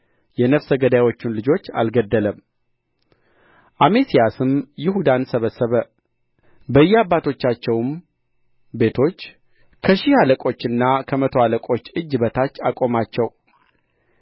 የነፍሰ ገዳዮችን ልጆች አልገደለም አሜስያስም ይሁዳን ሰበሰበ በእየአባቶቻቸውም ቤቶች ከሺህ አለቆችና ከመቶ አለቆች እጅ በታች አቆማቸው